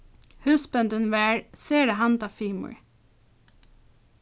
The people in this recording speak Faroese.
húsbóndin var sera handafimur